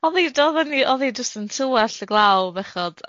O'dd 'i dodda ni o'dd 'i jyst yn tywall y glaw bechod.